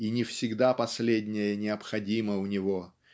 и не всегда последняя необходима у него